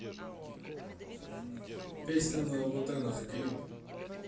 песни на лабутенах клип